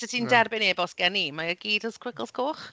So... mm. ...os ti'n derbyn e-bost gen i, mae e gyd yn sgwigls coch.